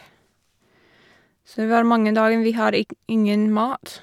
Så det var mange dagen vi har ik ingen mat.